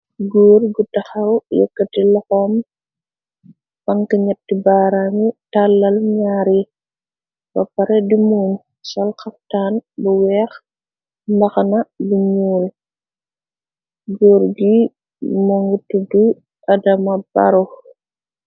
Góor gu taxaw yekkati loxoom yi, bañka ñatti baaraam yi, tàlal ñaari ba pare di muuñ, sol xaftaan bu weex mbaxna bu ñuul, goor gi mu ngi tuddu Adama Barrow.